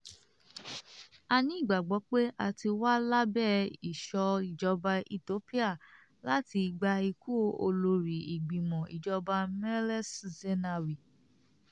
A ní ìgbàgbọ́ pé a ti wà lábẹ ìṣọ́ ìjọba Ethiopia láti ìgbà ikú Olórí Ìgbìmọ̀-ìjọba Meles Zenawi.